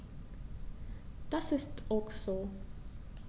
Das ist ok so.